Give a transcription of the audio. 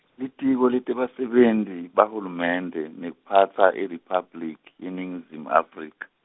Litiko leTebasebenti, bahulumende, nekuPhatsa, IRiphabliki, yeNingizimu Afrika.